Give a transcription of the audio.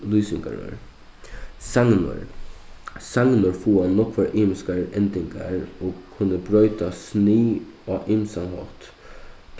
lýsingarorð sagnorð sagnorð fáa nógvar ymiskar endingar og kunnu broyta snið á ymsan hátt